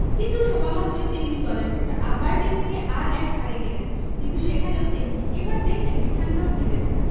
কিন্তু শোবামাত্রই তেমনি জলের ফোঁটা আবার টেনে নিয়ে আর একধারে গেলেন কিন্তু সেখানেও তেমনি এবার দেখলেন বিছানাটাও ভিজেছে